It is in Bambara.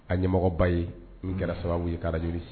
A ɲɛmɔgɔba ye n kɛra sababu wuli' jirisi